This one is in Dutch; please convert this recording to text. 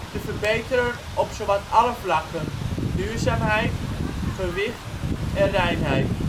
te verbeteren op zowat alle vlakken: duurzaamheid, gewicht, reinheid